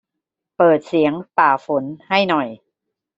เปิดเสียงป่าฝนให้หน่อย